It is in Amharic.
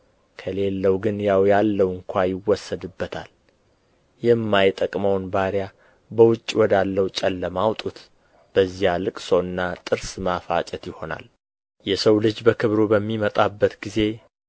ከሌለው ግን ያው ያለው እንኳ ይወሰድበታል የማይጠቅመውንም ባሪያ በውጭ ወዳለው ጨለማ አውጡት በዚያ ልቅሶና ጥርስ ማፋጨት ይሆናል የሰው ልጅ በክብሩ በሚመጣበት ጊዜ